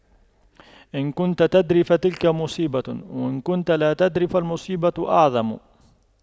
إذا كنت تدري فتلك مصيبة وإن كنت لا تدري فالمصيبة أعظم